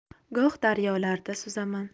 goh daryolarda suzaman